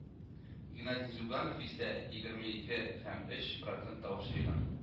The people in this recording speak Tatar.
Геннадий Зюганов исә егерме ике һәм өч процент тавыш җыйган